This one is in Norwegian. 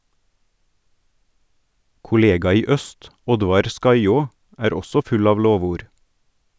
Kollega i øst, Oddvar Skaiaa, er også full av lovord.